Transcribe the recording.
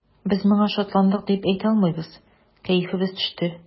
Без моңа шатландык дип әйтә алмыйбыз, кәефебез төште.